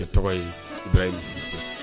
Tɔgɔ ye i bɛ ye